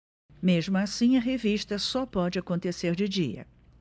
mesmo assim a revista só pode acontecer de dia